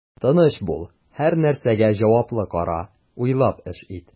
Тыныч бул, һәрнәрсәгә җаваплы кара, уйлап эш ит.